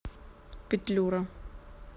петлюра